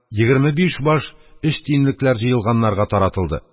Егерме биш баш өч тиенлекләр җыелганнарга таратылды.